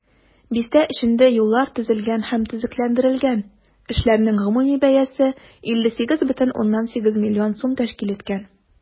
Бистә эчендә юллар төзелгән һәм төзекләндерелгән, эшләрнең гомуми бәясе 58,8 миллион сум тәшкил иткән.